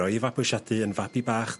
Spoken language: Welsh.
...roi i fabwsiadu yn fabi bach